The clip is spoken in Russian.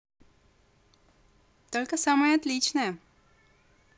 только самое отличное